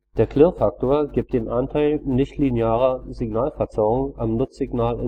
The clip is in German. Der Klirrfaktor gibt den Anteil nichtlinearer Signalverzerrungen am Nutzsignal